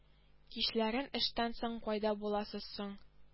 Кичләрен эштән соң кайда буласыз соң